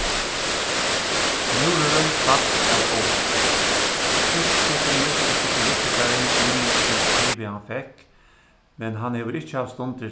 múrurin fall av óvart týski kommunistiski politikarin minnist nú skrivið hann fekk men hann hevur ikki havt stundir